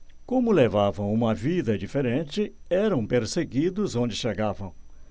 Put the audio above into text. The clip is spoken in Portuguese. como levavam uma vida diferente eram perseguidos onde chegavam